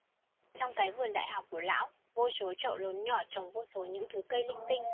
trong cái vườn đại học của lão vô số chậu lớn nhỏ trồng vô số những thứ cây linh tinh